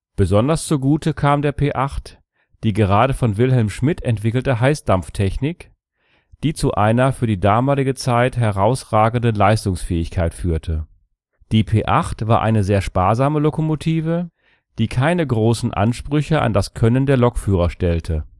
Besonders zugute kam der P 8 die gerade von Wilhelm Schmidt entwickelte Heißdampftechnik, die zu einer für die damalige Zeit herausragenden Leistungsfähigkeit führte. Die P 8 war eine sehr sparsame Lokomotive, die keine großen Ansprüche an das Können der Lokführer stellte